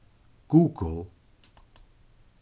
google